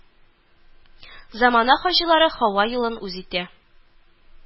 Замана хаҗилары һава юлын үз итә